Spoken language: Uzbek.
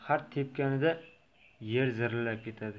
har tepinganda yer zirillab ketadi